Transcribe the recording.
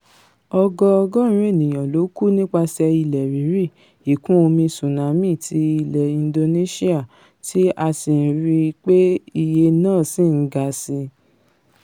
Ọgọ-ọgọ́ọ̀rún ènìyàn ló kú nípaṣẹ̀ ilẹ̀ rírì, ìkún-omi tsunami ti ilẹ Indonesia, tí a sì ń ríi pé iye náà sì ń ga síi